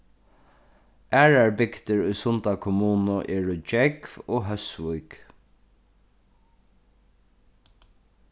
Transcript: aðrar bygdir í sunda kommunu eru gjógv og hósvík